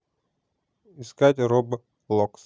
искать роблокс